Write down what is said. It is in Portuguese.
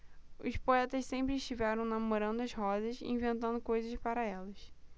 os poetas sempre estiveram namorando as rosas e inventando coisas para elas